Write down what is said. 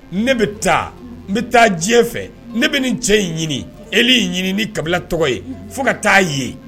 Ne bɛ taa ,n bɛ taa diɲɛ fɛ, ne bɛ nin cɛ in ɲini Eli in ɲini ni kabila tɔgɔ ye fo ka taa ye.